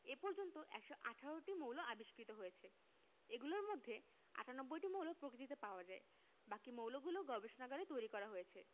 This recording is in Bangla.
এ পর্যন্ত ১১৮টি মৌল আবিষ্কৃত হয়েছে এগুলোর মধ্যে ৯৮টি মৌল প্রকৃতিতে পাওয়া যায় বাকি মৌলগুলো গবেষণাগারে তৈরি করা হয়েছে